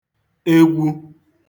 egwu